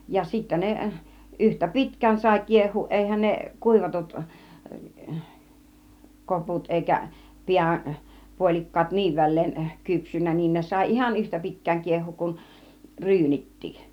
ja sitten ne yhtä pitkään sai kiehua eihän ne kuivatut koput eikä pää puolikkaat niin väleen kypsynyt niin ne sai ihan yhtä pitkään kiehua kuin ryynitkin